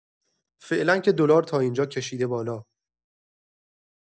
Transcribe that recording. فعلا که دلار تا اینجا کشیده بالا.